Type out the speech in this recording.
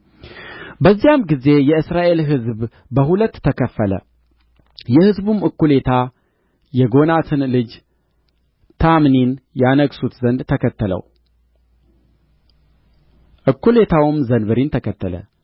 በዚያም ጊዜ የእስራኤል ሕዝብ በሁለት ተከፈለ የሕዝቡም እኩሌታ የጎናትን ልጅ ታምኒን ያነግሡት ዘንድ ተከተለው እኩሌታውም ዘንበሪን ተከተለ